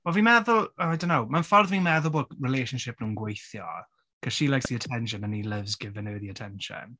Wel fi'n meddwl oh I don't know mae'r ffordd fi'n meddwl bod relationship nhw'n gweithio cause she likes the attention and he loves giving her the attention.